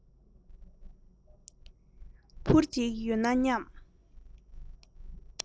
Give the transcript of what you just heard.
འཕུར རྩལ ཞིག ཡོད ན སྙམ